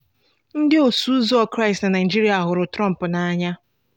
Ndị Osoụzọ Kraịstị na Naịjirịa hụrụ Trump n'anya.